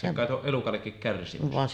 se kai on elukallekin kärsimystä